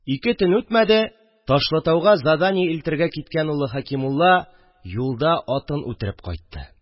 Ике көн үтмәде, Ташлытауга задание илтергә киткән улы Хәкимулла юлда атын үтереп кайтты